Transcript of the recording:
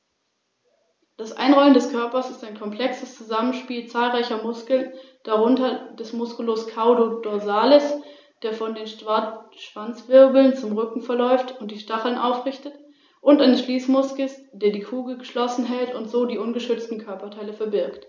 Kernzonen und die wichtigsten Bereiche der Pflegezone sind als Naturschutzgebiete rechtlich gesichert.